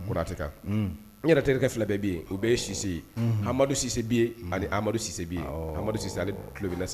N yɛrɛ terikɛ fila bɛ o bɛ sise amadu sibiye ani amadu sibiyi amadusilo kulubali